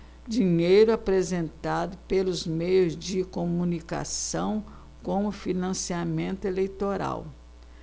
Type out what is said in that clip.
dinheiro apresentado pelos meios de comunicação como financiamento eleitoral